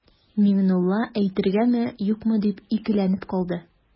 Миңнулла әйтергәме-юкмы дип икеләнеп калды.